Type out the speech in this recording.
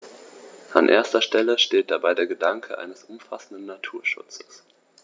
An erster Stelle steht dabei der Gedanke eines umfassenden Naturschutzes.